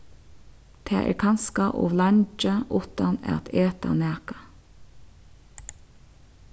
tað er kanska ov leingi uttan at eta nakað